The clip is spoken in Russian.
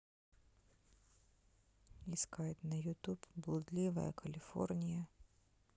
искать на ютуб блудливая калифорния